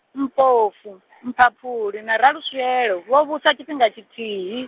Mpofu , Mphaphuli na Raluswielo vho vhusa tshifhinga tshithihi.